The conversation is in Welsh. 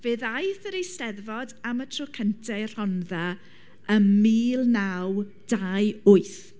Fe ddaeth yr Eisteddfod am y tro cyntaf i'r Rhondda ym mil naw dau wyth.